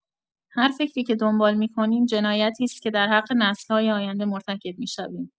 هر فکری که دنبال می‌کنیم، جنایتی است که در حق نسل‌های آینده مرتکب می‌شویم.